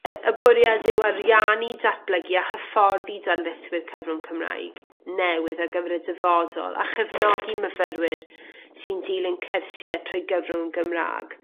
Y y bwriad yw ariannu datblygu a hyfforddi darlithwyr cyfrwng Cymraeg newydd ar gyfer y dyfodol, a chefnogi myfyrwyr sy'n dilyn cyrsie trwy gyfrwng Gymra'g.